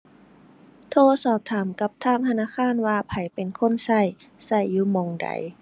โทรสอบถามกับทางธนาคารว่าไผเป็นคนใช้ ใช้อยู่หม้องใด